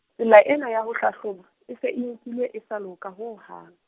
tsela ena ya ho hlahloba, e se e nkuwe e sa loka ho hang.